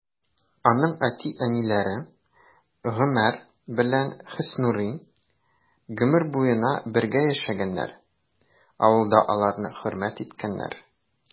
Аның әти-әниләре Гомәр белән Хөснурый гомер буена бергә яшәгәннәр, авылда аларны хөрмәт иткәннәр.